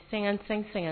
Sɛgɛn san sɛgɛn